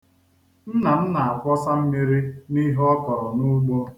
Nna m na-akwọsa mmiri n'ihe ọ kọrọ n'ugbo.